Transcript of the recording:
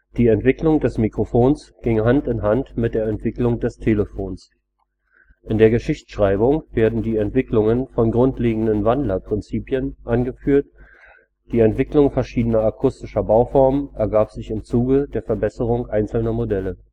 Die Entwicklung des Mikrofons ging Hand in Hand mit der Entwicklung des Telefons. In der Geschichtsschreibung werden die Entwicklungen von grundlegenden Wandlerprinzipien angeführt, die Entwicklung verschiedener akustischer Bauformen ergab sich im Zuge der Verbesserung einzelner Modelle